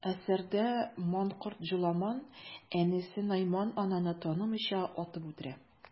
Әсәрдә манкорт Җоламан әнисе Найман ананы танымыйча, атып үтерә.